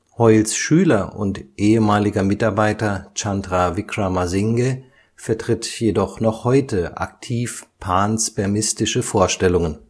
Hoyles Schüler und ehemaliger Mitarbeiter Chandra Wickramasinghe vertritt jedoch noch heute aktiv panspermistische Vorstellungen